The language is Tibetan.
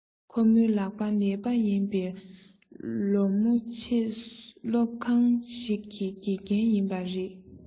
ཁོ མོའི ལག པ ནད པ ཡིན པས ཁོ མོ བྱིས སློང ཁང ཞིག གི དགེ རྒན ཡིན པ རེད